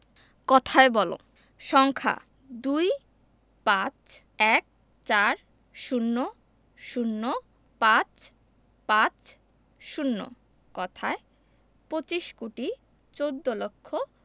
কথায় বলঃ সংখ্যাঃ ২৫ ১৪ ০০ ৫৫০ কথায়ঃ পঁচিশ কোটি চৌদ্দ লক্ষ